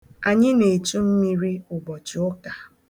Anyị na-echu mmiri ụbọchị ụka.